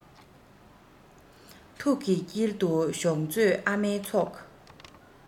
ཐུགས ཀྱི དཀྱིལ དུ ཞོག མཛོད ཨ མའི ཚོགས